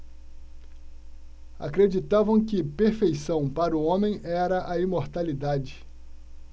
acreditavam que perfeição para o homem era a imortalidade